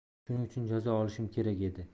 shuning uchun jazo olishim kerak edi